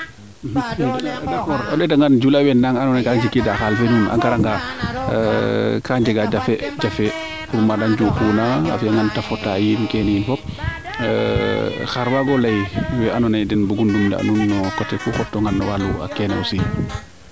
d' accord o ndeeta ngaan jula we na ando naye gaa njikiida xaal a ngara nga ka njega jafe jafe maade ngeekuuna a fiya ngaan te fota yiin keene yiin xar waago ley we ando naye den mbugu ndimle a nuun no coté ku xot toona no waalu keene aussi